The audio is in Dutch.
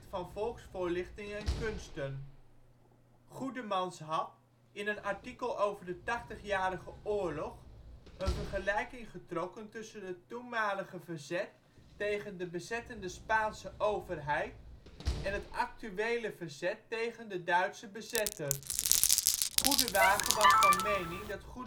en Kunsten. Goedemans had, in een artikel over de Tachtigjarige Oorlog een vergelijking getrokken tussen het toenmalige verzet tegen de bezettende Spaanse overheid en het actuele verzet tegen de Duitse bezetter. Goedewaagen was van mening dat